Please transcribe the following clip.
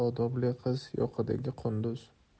odobli qiz yoqadagi qunduz